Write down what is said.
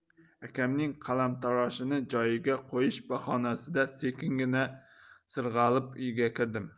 akamning qalamtaroshini joyiga qo'yish bahonasida sekingina sirg'alib uyga kirdim